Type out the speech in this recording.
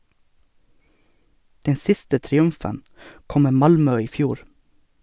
Den siste triumfen kom med Malmö i fjor.